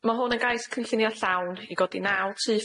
Ma' hwn yn gais cynllunio llawn i godi naw tŷ